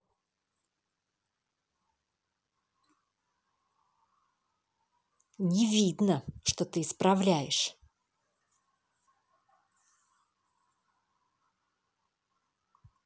не видно что ты исправляешь